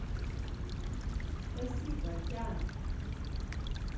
спасибо океан